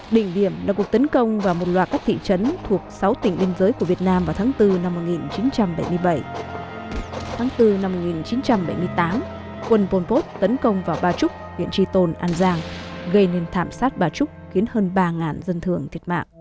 đỉnh điểm là cuộc tấn công vào một loạt các thị trấn thuộc sáu tỉnh biên giới của việt nam vào tháng tư năm một nghìn chín trăm bảy mươi bảy tháng tư năm một nghìn chín trăm bảy mươi tám quân pôn pốt tấn công vào ba chúc huyện tri tôn an giang gây nên thảm sát ba chúc khiến hơn ba ngàn dân thường thiệt mạng